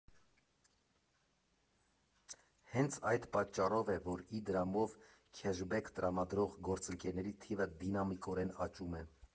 Հենց այդ պատճառով է, որ Իդրամով քեշբեք տրամադրող գործընկերների թիվը դինամիկորեն աճում է։